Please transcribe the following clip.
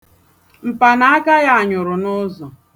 Mpanaaka ya nyụrụ n'ụzọ.